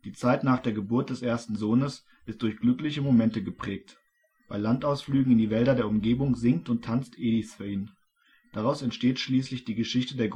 Zeit nach der Geburt des ersten Sohnes ist durch glückliche Momente geprägt: Bei Landausflügen in die Wälder der Umgebung singt und tanzt Edith für ihn – daraus entsteht schließlich die Geschichte